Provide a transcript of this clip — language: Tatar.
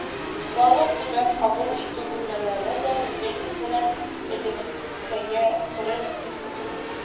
Барлык төбәк кабул итү бүлмәләре дә Медведев белән элемтәгә керер дип көтелә